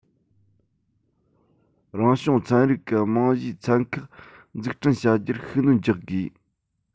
རང བྱུང ཚན རིག གི རྨང གཞིའི ཚན ཁག འཛུགས སྐྱོང བྱ རྒྱུར ཤུགས སྣོན རྒྱག དགོས